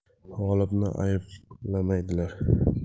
g'olibni ayblamaydilar